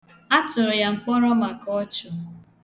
A tụrụ ya mkpọrọ maka ọchụ.